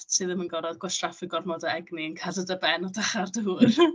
Ti ddim yn gorod gwastraffu gormod o egni yn cadw dy ben o dan y dŵr .